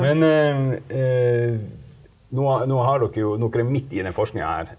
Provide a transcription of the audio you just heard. men nå nå har dere jo, dere er midt i den forskninga her.